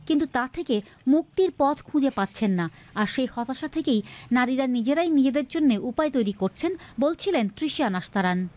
কিন্তু তার থেকে মুক্তির পথ় খুঁজে পাচ্ছেন না আর সেই হতাশা থেকেই নারীরা নিজে রাই নিজেদের জন্য উপায়ে তৈরি করছেন বলছিলেন তৃষিয়া নাশতারান